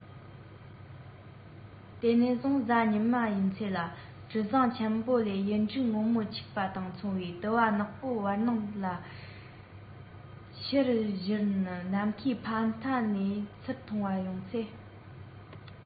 དེ ནས བཟུང གཟའ ཉི མ ཡིན ཚད ལ གྲུ གཟིངས ཆེན པོ ལས གཡུ འབྲུག སྔོན མོ འཁྱུགས པ དང མཚུངས པའི དུ བ ནག པོ བར སྣང ལ འཕྱུར བཞིན ནམ མཁའི ཕ མཐའ ནས ཚུར ཡོང བ མཐོང ཚེ